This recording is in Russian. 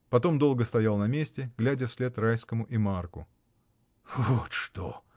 Потом долго стоял на месте, глядя вслед Райскому и Марку. — Вот что!